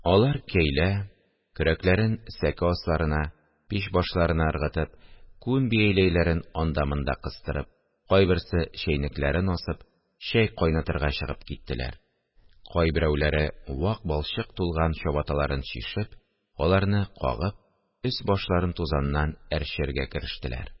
Алар кәйлә, көрәкләрен сәке асларына, пич башларына ыргытып, күн бияләйләрен анда-монда кыстырып, кайберсе чәйнекләрен асып, чәй кайнатырга чыгып киттеләр, кайберәүләре вак балчык тулган чабаталарын чишеп, аларны кагып, өс-башларын тузаннан әрчергә керештеләр